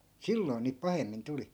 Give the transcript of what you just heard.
silloin niin pahemmin tuli